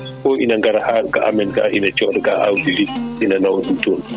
fo ina gara haa ga amen ga ina cooda ga awdi * ina nawa ɗum toon